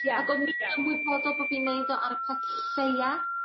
ia ag o'n i'n ymwybodol bo' fi'n neud o ar y peth lleia